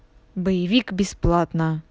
боевик бесплатно